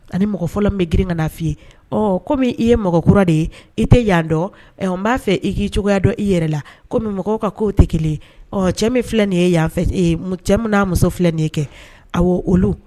Ani mɔgɔ fɔlɔ min bɛ girin ka n'a fɔ i ye, ɔ kɔmi i ye mɔgɔ kura de ye, i tɛ yan dɔn n b'a fɛ i k'i cogoya dɔn i yɛrɛ la komi mɔgɔw ka k'o tɛ kelen ye, ɔ cɛ min filɛ nin ye yan fɛ cɛ min n'a n'a muso filɛ nin ye kɛ, awɔ olu